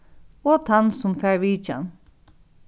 og tann sum fær vitjan